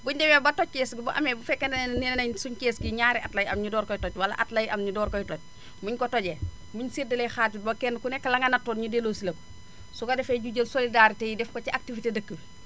buénu demee ba toj kees gi bu amee bu fekkee ne neenaénu suñu kees gii énari at lay am ñu door koy toj wala at lay am énu door koy toj buénu ko tojee buénu séddalee xaalis bi ba kenn ku nekk la nga nattoon ñu delloosi la ko su ko defee ñu jël solidarité yi def ko ci activité dëkk bi